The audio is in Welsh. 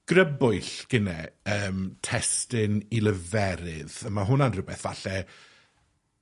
grybwyll gine yym testun i leferydd a ma' hwnna'n rwbeth falle